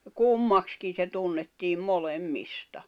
kummaksikin se tunnettiin molemmista